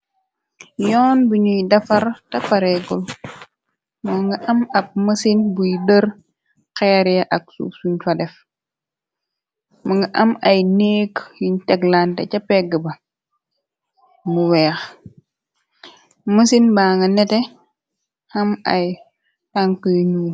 yoon buñuy dafar tapareegul moo nga am ab mësin buy dër xeeree ak suuf suñ fa def moo nga am ay neek yuñ teglante ca pegg ba mu weex mësin ba nga nete xam ay tank yu ñuuy